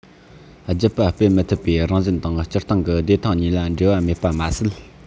རྒྱུད པ སྤེལ མི ཐུབ པའི རང བཞིན དང སྤྱིར བཏང གི བདེ ཐང གཉིས ལ འབྲེལ བ མེད པ མ ཟད